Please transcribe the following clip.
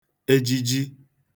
ejiji